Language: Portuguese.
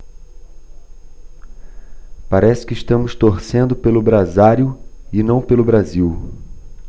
parece que estamos torcendo pelo brasário e não pelo brasil